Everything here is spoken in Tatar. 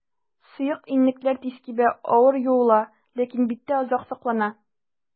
Сыек иннекләр тиз кибә, авыр юыла, ләкин биттә озак саклана.